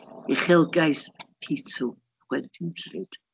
Uchelgais pitw, chwerthinllyd.